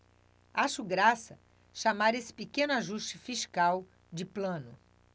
acho graça chamar esse pequeno ajuste fiscal de plano